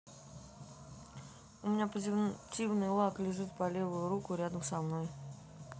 у меня позитивный лак лежит по левую руку рядом со мной